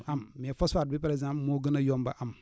am mais phosphate bi par exemple moo gën a yomb a am